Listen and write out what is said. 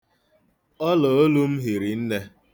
Ọlaolu m hiri nne.